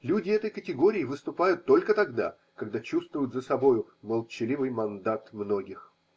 Люди этой категории выступают только тогда, когда чувствуют за собою молчаливый мандат многих.